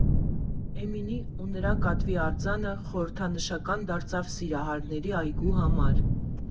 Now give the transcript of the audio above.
Էմինի ու նրա կատվի արձանը խորհրդանշական դարձավ Սիրահարների այգու համար։